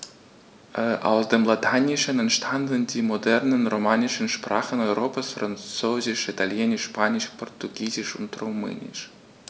Aus dem Lateinischen entstanden die modernen „romanischen“ Sprachen Europas: Französisch, Italienisch, Spanisch, Portugiesisch und Rumänisch.